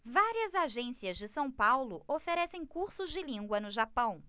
várias agências de são paulo oferecem cursos de língua no japão